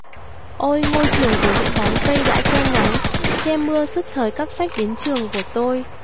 ôi ngôi trường với những bóng cây đã che nắng che mưa suốt thời cắp sách đến trường của tôi